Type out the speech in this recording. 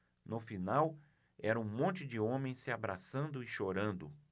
no final era um monte de homens se abraçando e chorando